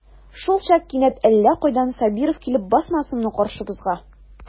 Шулчак кинәт әллә кайдан Сабиров килеп басмасынмы каршыбызга.